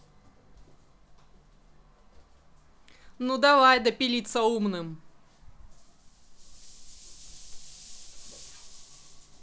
ну давай допилиться умным